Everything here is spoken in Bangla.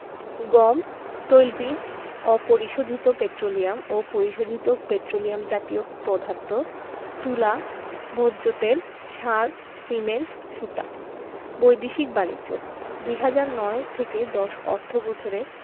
গম তৈলবীজ অপরিশোধিত পেট্রোলিয়াম ও পরিশোধিত পেট্রোলিয়াম জাতীয় পদার্থ তুলা ভোজ্যতেল সার সিমেন্ট সুতা বৈদেশিক বাণিজ্যঃ ২০০৯ ১০ অর্থবছরে